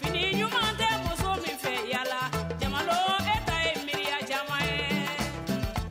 Fini ɲuman tɛ muso min fɛ yala la jamakɛ ta ye miniyan caman ye